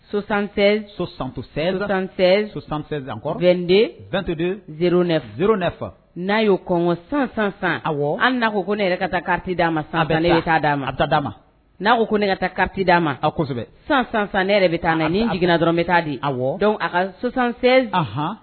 Sososan soso sansɛ san sososan20kɔde danttodon z fɔ n'a y'o kɔn sansansan a an n na ko ko ne yɛrɛ ka taa katid a ma sanfɛ ne bɛ taa d'a ma dadaa ma n'a ko ko ne ka taa ka d'a ma a kosɛbɛ sansansan ne yɛrɛ bɛ taa na ni jiginna dɔrɔn bɛ taa di a dɔn a ka sososansen hɔn